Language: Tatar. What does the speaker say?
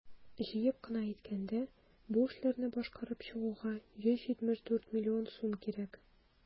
Җыеп кына әйткәндә, бу эшләрне башкарып чыгуга 174 млн сум кирәк.